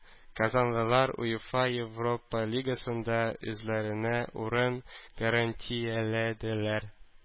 Казанлылар УЕФА Европа Лигасында үзләренә урын гарантияләделәр.